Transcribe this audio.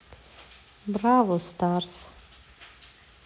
брово старс